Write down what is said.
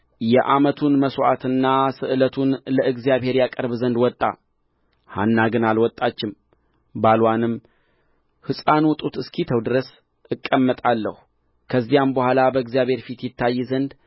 የዓመቱን መሥዋዕትና ስእለቱን ለእግዚአብሔር ያቀርብ ዘንድ ወጣ ሐና ግን አልወጣችም ባልዋንም ሕፃኑ ጡት እስኪተው ድረስ እቀመጣለሁ ከዚያም በኋላ በእግዚአብሔር ፊት ይታይ ዘንድ